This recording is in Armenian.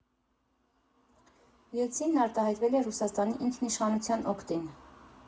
Ելցինն արտահայտվել է Ռուսաստանի ինքնիշխանության օգտին։